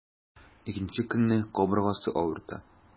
Икенче көнне кабыргасы авырта.